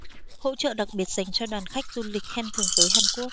hỗ trợ đặc biệt dành cho đoàn khách du lịch khen thưởng tới hàn quốc